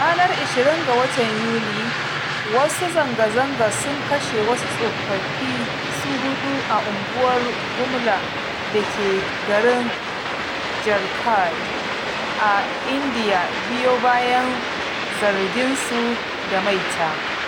A ranar 20 ga watan Yuli, masu zanga-zanga sun kashe wasu tsofaffi su huɗu a unguwar Gumla da ke garin Jharkhand a Indiya biyo bayan zarginsu da maita.